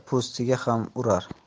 po'stiga ham urar